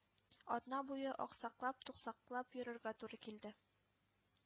Атна буе аксаклап-туксаклап йөрергә туры килде.